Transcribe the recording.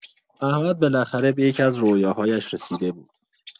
احمد بالاخره به یکی‌از رویاهایش رسیده بود.